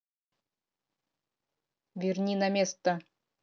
верни на место